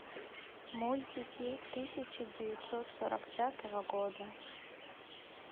мультики тысяча девятьсот сорок пятого года